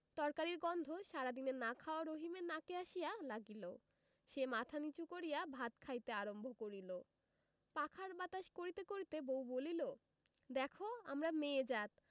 তরকারির গন্ধ সারাদিনের না খাওয়া রহিমের নাকে আসিয়া লাগিল সে মাথা নীচু করিয়া ভাত খাইতে আরম্ভ করিল পাখার বাতাস করিতে করিতে বউ বলিল দেখ আমরা মেয়ে জাত